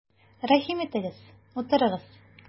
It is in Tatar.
Рәхим итегез, утырыгыз!